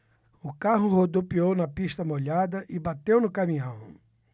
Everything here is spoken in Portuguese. o carro rodopiou na pista molhada e bateu no caminhão